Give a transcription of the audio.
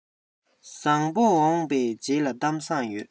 བཟང པོ འོངས པའི རྗེས ལ གཏམ བཟང ཡོད